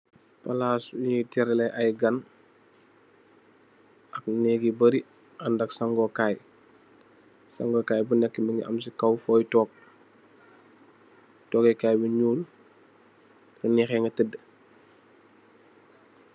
Palaas yu nyuy teralee ay gaan, ak neeg yu bari andak saggokaay, saggokaay bu nekk mingi am si kaw fuuy toog, toogekaay bu nyuul, bu la neex ga tedd.